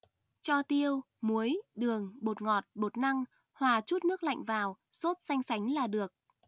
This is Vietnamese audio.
cho tiêu muối đường bột ngọt bột năng hòa chút nước lạnh vào sốt sanh sánh là được